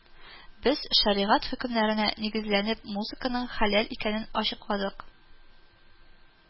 Без шәригать хөкемнәренә нигезләнеп музыканың хәләл икәнен ачыкладык